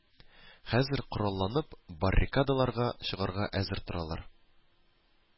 Хәзер коралланып, баррикадаларга чыгарга әзер торалар